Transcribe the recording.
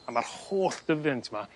a ma'r holl dyfiant 'ma